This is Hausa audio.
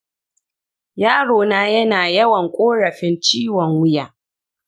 yarona yana yawan ƙorafin ciwon wuya.